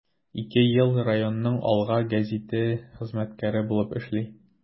Ике ел районның “Алга” гәзите хезмәткәре булып эшли.